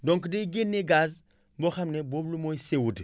donc day génne gaz boo xam ne boobu mooy CO2